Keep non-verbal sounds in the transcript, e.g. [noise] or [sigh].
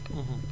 [hesitation] [hesitation]